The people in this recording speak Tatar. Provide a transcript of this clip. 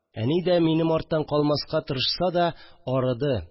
Әни дә минем арттан калмаска тырышса да арыды